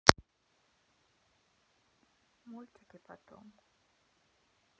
мультики потом